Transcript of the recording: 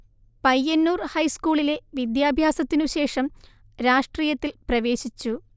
പയ്യന്നൂർ ഹൈസ്കൂളിലെ വിദ്യാഭ്യാസത്തിനു ശേഷം രാഷ്ട്രീയത്തിൽ പ്രവേശിച്ചു